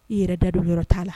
I yɛrɛ da don yɔrɔ t'a la